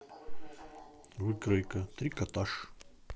выкройка трикотаж